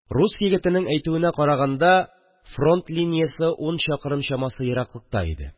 Рус егетенең әйтүенә караганда, фронт линиясе ун чакрым чамасы ераклыкта иде